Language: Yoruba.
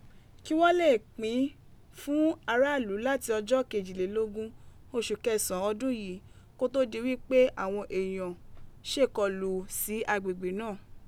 Ki wọn le e pin fun araalu lati Ọjọ Kejilelogun, Oṣu Kẹsan, odun yìí, ko to di wi pe awọn eniyan ṣekọlu si agbegbe naa.